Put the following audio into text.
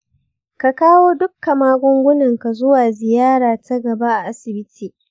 ka kawo dukka magungunanka zuwa ziyara ta gaba a asibiti.